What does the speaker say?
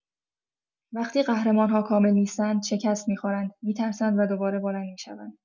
وقتی قهرمان‌ها کامل نیستند، شکست می‌خورند، می‌ترسند و دوباره بلند می‌شوند.